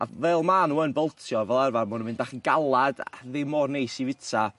A fel ma' n'w yn boltio fel arfar ma' n'w mynd bach yn galad a ddim mor neis i fita.